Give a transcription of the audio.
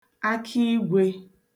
akiigwē